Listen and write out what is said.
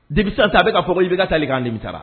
Dpuis sisan ta a bɛka ka fɔ iko IBK taalen k'an nimisa la.